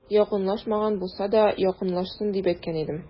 Якынлашмаган булса да, якынлашсын, дип әйткән идем.